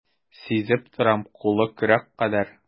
Сизеп торам, кулы көрәк кадәр.